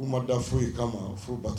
U ma dan foyi ka ma foyi ba tan